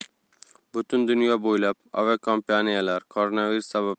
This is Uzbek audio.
butun dunyo bo'ylab aviakompaniyalar koronavirus